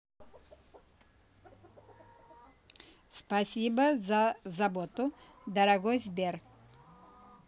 спасибо за заботу дорогой сбер